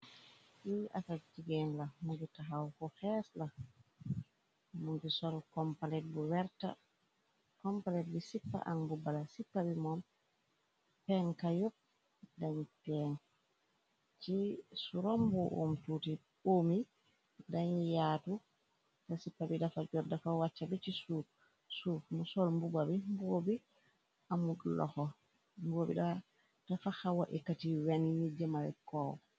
Luy akak jigeen la muju taxaw ku xees la munju soru kompalet bi sippa an mbubala ipai moom penka yopp dañ peen ci surom boo uom tuuti uumi dañ yaatu te sipa bi dafa jor dafa wàcca bi ci suuf mu sol mbuba bi mboobi amu loxo mboobi dafa xawa ikat yi wen ñu jëmale koow.